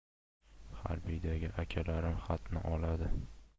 harbiydagi akalarim xatni oladi